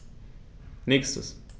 Nächstes.